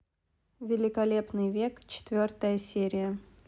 великолепный век четвертая серия